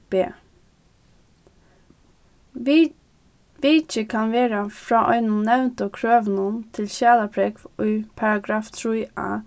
b vikið kann vera frá einum nevndu krøvunum í paragraf trý a